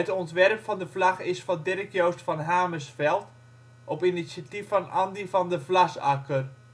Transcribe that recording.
ontwerp van de vlag is van Dirk-Joost van Hamersveld op initiatief van Andy van de Vlasakker